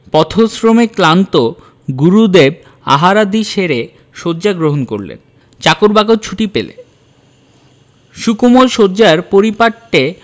পথশ্রমে ক্লান্ত গুরুদেব আহারাদি সেরে শয্যা গ্রহণ করলেন চাকর বাকর ছুটি পেলে সুকোমল শয্যার পরিপাট্যে